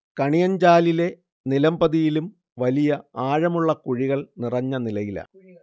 കണിയഞ്ചാലിലെ നിലംപതിയിലും വലിയ ആഴമുള്ള കുഴികൾ നിറഞ്ഞനിലയിലാണ്